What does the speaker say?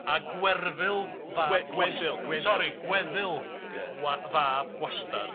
A Gwerfyl fab gwas-... Gweddil Gweddil. Sori Gweddil... Ia. ...wa- fab Gwastad.